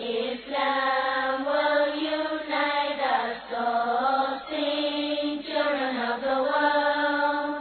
Y mɔ yo' mainɛla cɛ cɛ wa